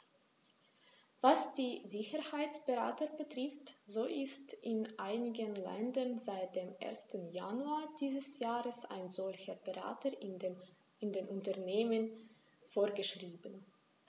Was die Sicherheitsberater betrifft, so ist in einigen Ländern seit dem 1. Januar dieses Jahres ein solcher Berater in den Unternehmen vorgeschrieben.